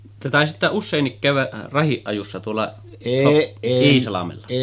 te taisitte useinkin käydä rahdin ajossa tuolla Iisalmella